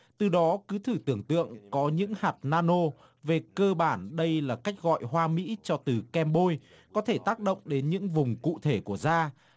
từ đó cứ thử tưởng tượng có những hạt na nô về cơ bản đây là cách gọi hoa mỹ cho từ kem bôi có thể tác động đến những vùng cụ thể của da